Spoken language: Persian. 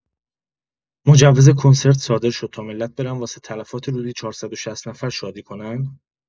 مجوز کنسرت صادر شد تا ملت برن واسه تلفات روزی ۴۶۰ نفر شادی کنن؟